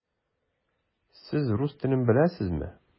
Сез рус телен беләсезме?